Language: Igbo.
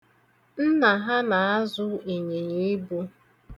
Nna ha na-azụ ịnyịnyiibu.